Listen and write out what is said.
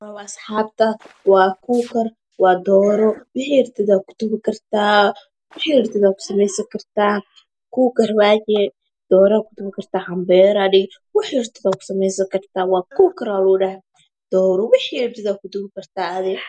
Waw asaxabta waa ku kar waa dooro wixi rabtiya ku duban kartaa wixi rabtiya ku sameysan kartaa kukar waye dee doora ku duban kartaa habegaro ha dhihin waxa rabtiyaa ku semeysan kartaa ku kar lagu dhahay wixi rabtiyaa ku duban kartaa wax